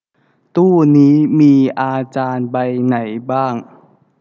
ตู้นี้มีอาจารย์ใบไหนบ้าง